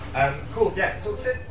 Yym cŵl, ie, so sut…